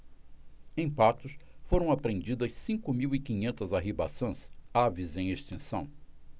em patos foram apreendidas cinco mil e quinhentas arribaçãs aves em extinção